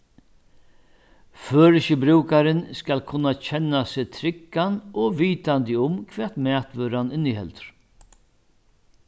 føroyski brúkarin skal kunna kenna seg tryggan og vitandi um hvat matvøran inniheldur